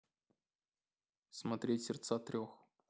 смотреть сердца трех